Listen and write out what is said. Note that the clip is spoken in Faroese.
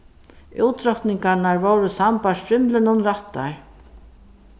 útrokningarnar vóru sambært frymlinum rættar